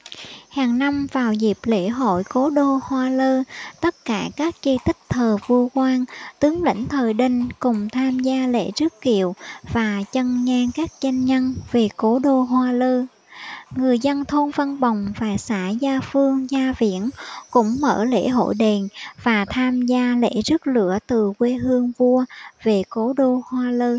hàng năm vào dịp lễ hội cố đô hoa lư tất cả các di tích thờ vua quan tướng lĩnh thời đinh cùng tham gia lễ rước kiệu và chân nhang các danh nhân về cố đô hoa lư người dân thôn vân bòng và xã gia phương gia viễn cũng mở lễ hội đền và tham gia lễ rước lửa từ quê hương vua về cố đô hoa lư